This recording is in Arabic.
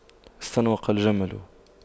استنوق الجمل